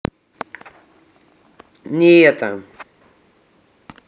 не это